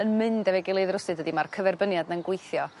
yn mynd efo'i gilydd rywsud dydi ma'r cyferbyniad yna'n gweithio